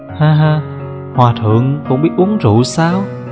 haha hòa thượng cũng biết uống rượu sao